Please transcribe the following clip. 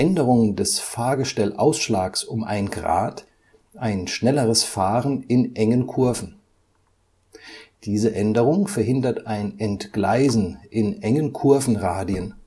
Änderung des Fahrgestellausschlags um ein Grad ein schnelleres Fahren in engen Kurven. Diese Änderung verhindert ein Entgleisen in engen Kurvenradien